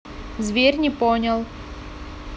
зверь не понял